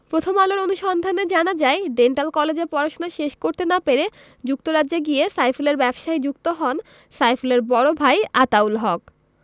প্রথম আলোর অনুসন্ধানে জানা যায় ডেন্টাল কলেজে পড়াশোনা শেষ করতে না পেরে যুক্তরাজ্যে গিয়ে সাইফুলের ব্যবসায় যুক্ত হন সাইফুলের বড় ভাই আতাউল হক